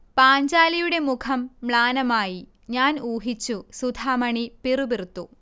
പാഞ്ചാലിയുടെ മുഖം മ്ളാനമായി 'ഞാൻ ഊഹിച്ചു' സുധാമണി പിറുപിറുത്തു